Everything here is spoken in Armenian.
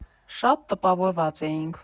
Շատ տպավորված էինք։